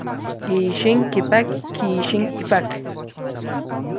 yeyishing kepak kiyishing ipak